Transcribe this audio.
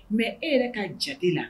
Mais e yɛrɛ ka jate la